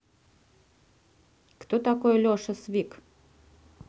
кто такой леша свик